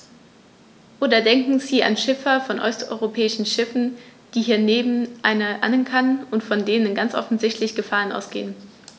Oder denken Sie an Schiffer von osteuropäischen Schiffen, die hier neben anderen ankern und von denen ganz offensichtlich Gefahren ausgehen.